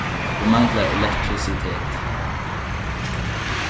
vit mangla elektrisitet